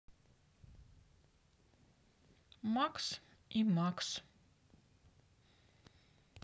макс и макс